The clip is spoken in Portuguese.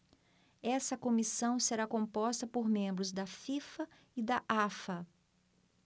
essa comissão será composta por membros da fifa e da afa